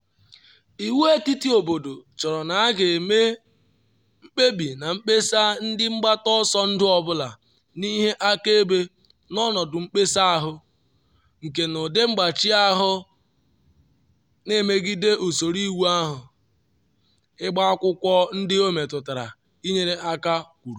“Iwu etiti obodo chọrọ na a ga-eme mkpebi na mkpesa ndị mgbata ọsọ ndụ ọ bụla n’ihe akaebe na ọnọdụ mkpesa ahụ, nke n’ụdị mgbachi ahụ na-emegide usoro iwu ahụ, “ịgba akwụkwọ ndị ọ metụtara inyere aka” kwuru.